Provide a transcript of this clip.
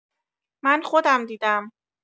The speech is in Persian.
من خودم دیدم.